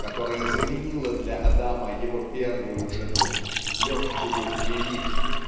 которая заменила для Адама его первую жену -- легкую Лилит